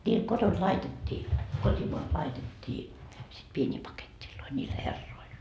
niille kotoa laitettiin kotimaasta laitettiin sitten pieniä paketteja niille herroille